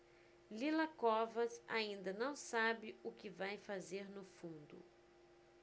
lila covas ainda não sabe o que vai fazer no fundo